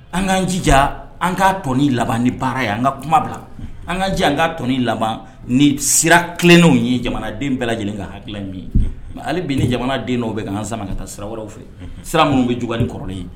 An kaanjija an ka t laban ni baara ye an ka kuma bila an ka jɛ an ka t laban ni sira tilennenw ye jamanaden bɛɛ lajɛlen ka hakili min ye mɛ ale bɛ ni jamanaden' bɛ kaan sama ka taa sira wɛrɛ fɛ sira minnu bɛ j ni kɔrɔlen ye